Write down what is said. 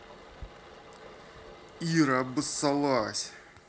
ира обосалась